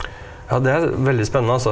ja det er veldig spennende altså.